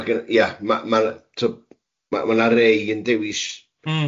### Ma' gen- ... Ie ma' ma'r t- ... Ma' ma' 'na rei yn dewis... Mm.